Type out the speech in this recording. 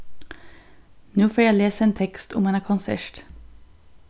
nú fari eg at lesa ein tekst um eina konsert